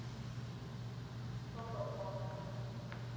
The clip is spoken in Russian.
че позавтракать